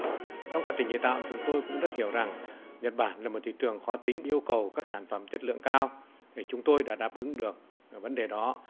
trong quá trình chế tạo chúng tôi cũng rất hiểu rằng nhật bản là một thị trường khó tính yêu cầu các sản phẩm chất lượng cao vì chúng tôi đã đáp ứng được vấn đề đó